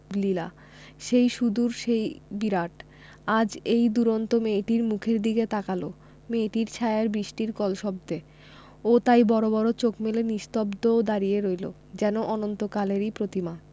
লীলা সেই সুদূর সেই বিরাট আজ এই দুরন্ত মেয়েটির মুখের দিকে তাকাল মেঘের ছায়ায় বৃষ্টির কলশব্দে ও তাই বড় বড় চোখ মেলে নিস্তব্ধ দাঁড়িয়ে রইল যেন অনন্তকালেরই প্রতিমা